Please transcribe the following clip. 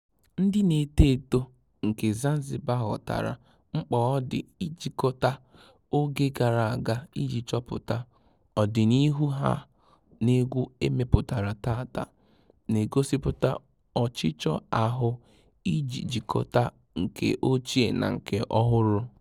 Ndị na-eto eto nke Zanzibar ghọtara mkpa ọ dị ijikọta oge gara aga iji chọpụta ọdịnihu ha na egwu e mepụtara tata na-egosipụta ọchịchọ ahụ iji jikọta nke ochie na nke ọhụrụ.